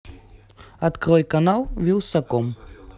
открой канал вилсаком